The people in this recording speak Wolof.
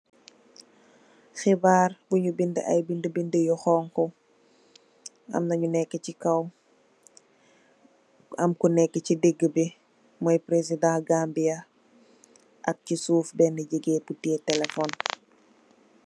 Xibarr buñ binda ay bindi bindi yu xonxu, am na ñi nekka ci kaw, am ñi nekka ci digih bi moy president Gambia ak ci suuf benna gigeen bu teyeh telephone.